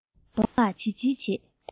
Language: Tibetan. གདོང ལ བྱིལ བྱིལ བྱེད